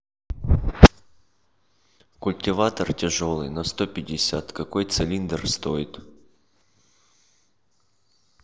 культиватор тяжелый на сто пятьдесят какой цилиндр стоит